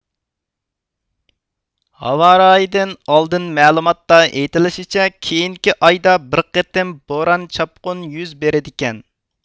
ھاۋارايىدىن ئالدىن مەلۇماتتا ئېيتىلىشچە كېيىنكى ئايدا بىر قېتىم بوران چاپقۇن يۈز بېرىدىكەن